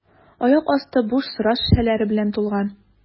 Аяк асты буш сыра шешәләре белән тулган.